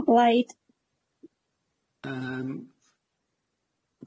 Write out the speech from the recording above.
O Blaid.